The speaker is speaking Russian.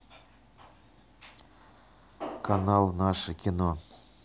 канал наше кино